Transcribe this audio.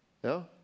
ja.